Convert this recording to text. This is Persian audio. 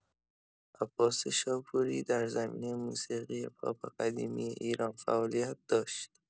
عباس شاپوری در زمینه موسیقی پاپ قدیمی ایران فعالیت داشت.